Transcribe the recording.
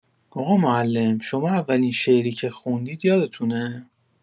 آقا معلم، شما اولین شعری که خوندید یادتونه؟